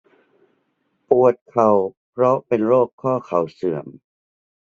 ปวดเข่าเพราะเป็นโรคข้อเข่าเสื่อม